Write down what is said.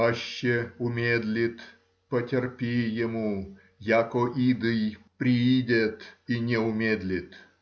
Аще умедлит, потерпи ему, яко идый приидет и не умедлит.